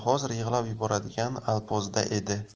hozir yig'lab yuboradigan alpozda edi